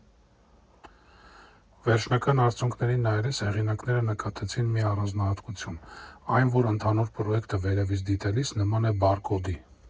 Վերջնական արդյունքին նայելիս, հեղինակները նկատեցին մի առանձնահատկություն, այն, որ ընդհանուր պրոեկտը վերևից դիտելիս նման է բարկոդի։